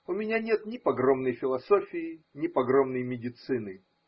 У меня нет ни погромной философии, ни погромной медицины.